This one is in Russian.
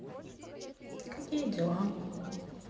какие дела